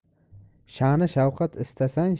sha'ni shavqat istasang